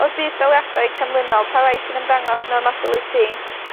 O'r budd daliadau canlynol pa rai sy'n ymddangos yn ormodol i ti?